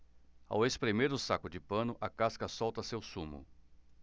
ao espremer o saco de pano a casca solta seu sumo